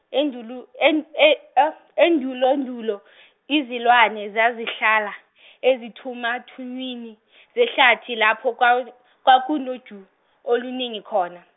endulu- en- e- e- endulondulo izilwane zazihlala , ezithumathunywini zehlathi lapho kwa- kwakunoju oluningi khona.